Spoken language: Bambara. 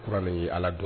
Kuran ye ala dɔn